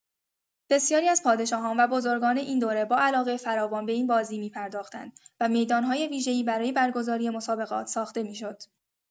بسیاری از پادشاهان و بزرگان این دوره با علاقه فراوان به این بازی می‌پرداختند و میدان‌های ویژه‌ای برای برگزاری مسابقات ساخته می‌شد.